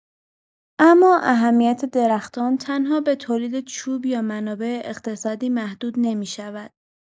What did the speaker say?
اما اهمیت درختان تنها به تولید چوب یا منابع اقتصادی محدود نمی‌شود!